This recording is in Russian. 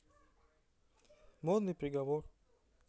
модный приговор